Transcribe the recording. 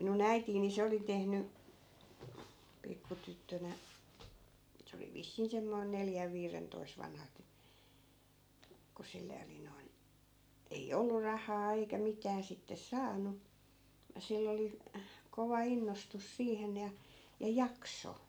minun äitini niin se oli tehnyt pikku tyttönä se oli vissiin semmoinen neljän viidentoista vanha - kun sille oli noin ei ollut rahaa eikä mitään sitten saanut sillä oli kova innostus siihen ja ja jakso